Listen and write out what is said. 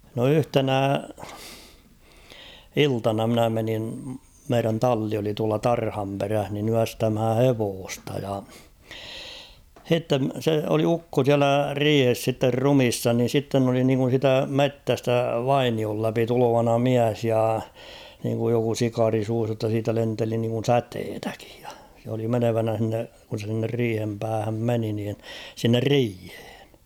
no yhtenä iltana minä menin meidän talli oli tuolla tarhanperässä niin yöstämään hevosta ja sitten se oli ukko siellä riihessä sitten ruumiina niin sitten oli niin kuin siitä metsästä vainion läpi tulevana mies ja niin kuin joku sikari suussa jotta siitä lenteli niin kuin säteitäkin ja se oli menevänä sinne kun se sinne riihen päähän meni niin sinne riiheen